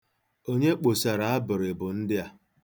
Onye kposara abụrịbụ ndị a?